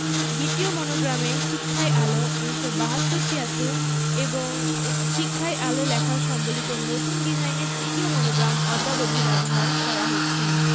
দ্বিতীয় মনোগ্রামে শিক্ষাই আলো ১৯৭২ ৭৩ এবং শিক্ষাই আলো লেখা সম্বলিত নতুন ডিজাইনের তৃতীয় মনোগ্রাম অদ্যাবধি ব্যবহার করা হচ্ছে